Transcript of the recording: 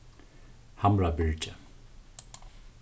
hamrabyrgi